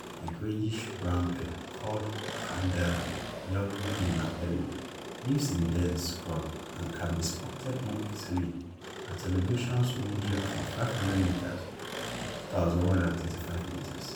The greyish-brown bird, called Kaande Bhyakur in Nepali, lives in dense scrub and can be spotted more easily at elevations ranging from 500 meters to 2135 meters.